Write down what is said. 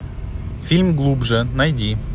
фильм глубже найди